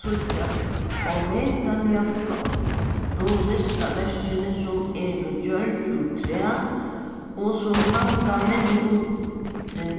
síggja ómetaliga flottu listaverkini sum eru gjørd úr træ og sum hanga niðriundir